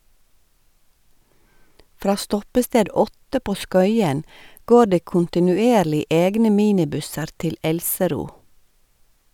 Fra stoppested 8 på Skøyen går det kontinuerlig egne minibusser til Elsero.